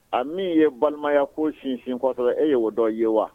A min ye balimaya ko sinsin fɔtɔ le ye e y'o dɔ ye wa.